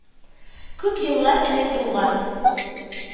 Күп еллар элек булган